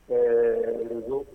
Ɛɛ